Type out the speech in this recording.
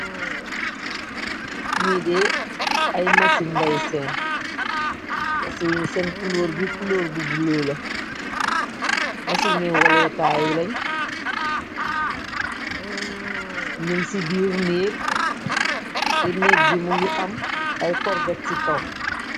Niidee ay masin ngay seen, masi seen kuloor bi puloor bu bu lola, masi ngay walee kaay lañ, nun ci biir néek, ci néeg bi mu ngi am ay korget ci kaw.